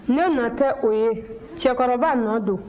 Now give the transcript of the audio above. ne nɔ tɛ o ye cɛkɔrɔba nɔ don